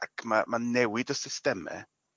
ac ma' ma' newid y systeme